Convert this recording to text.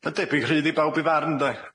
Ma'n debyg rhydd i bawb i farn ynde?